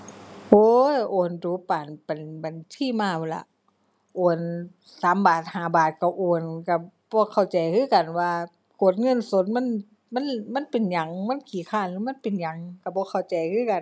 โอ๊ย โอนดู๋ปาน บัญ บัญชีม้าพู้นล่ะ โอนสามบาทห้าบาทก็โอน ก็บ่เข้าใจคือกันว่ากดเงินสดมัน มัน มันเป็นหยัง มันขี้คร้าน หรือมันเป็นหยัง ก็บ่เข้าใจคือกัน